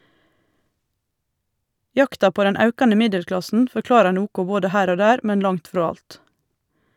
Jakta på den aukande middelklassen forklarar noko både her og der, men langt frå alt.